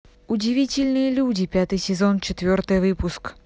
удивительные люди пятый сезон четвертый выпуск